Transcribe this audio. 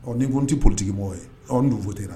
Ɔ ni ko n tɛ porotigi mɔgɔw ye tɛ